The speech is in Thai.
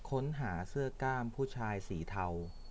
ค้นหาเสื้อกล้ามผู้ชายสีเทา